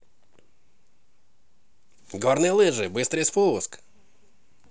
горные лыжи быстрый спуск